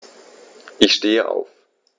Ich stehe auf.